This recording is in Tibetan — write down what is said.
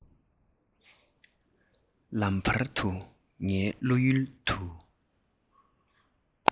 ལམ བར དུ ངའི བློ ཡུལ དུ